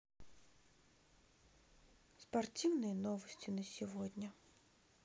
спортивные новости на сегодня